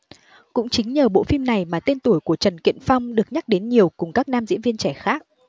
cũng chính nhờ bộ phim này mà tên tuổi của trần kiện phong được nhắc đến nhiều cùng các nam diễn viên trẻ khác